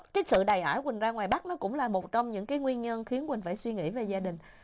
cái sự đày ải quỳnh ra ngoài bắc nó cũng là một trong những cái nguyên nhân khiến quỳnh phải suy nghĩ về gia đình